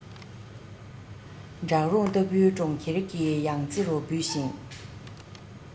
བྲག རོང ལྟ བུའི གྲོང ཁྱེར གྱི ཡང རྩེ རུ བུད ཅིང